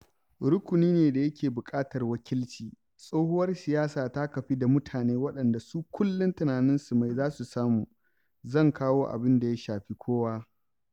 Rukuni ne da yake buƙatar wakilci. Tsohuwar siyasa ta kafu da mutane waɗanda su kullum tunaninsu mai za su samu. Zan kawo abin da ya shafi kowa.